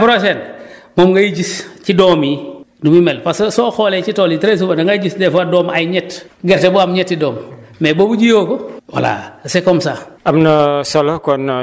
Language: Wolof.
voilà soo ko jiyee année prochaine moom ngay gis ci doom yi nu muy mel parce que soo xoolee si tool yi très souvent da ngay gis des fois doom ay ñett gerte bu am ñetti doom mais boobu jiyoo ko voilà c' est comme ça